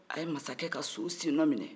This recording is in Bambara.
a ye mansakɛ ka so sennɔ minɛ